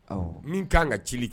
Ɔ min k kan ka ci kɛ